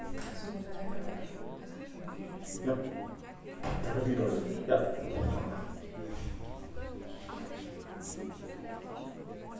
ja tað fer at bippa aftur ja tú má opna hana